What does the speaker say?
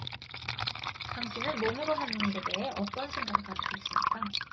당신은 몸으로 하는 일에 대해 어떤 생각을 가지고 있습니까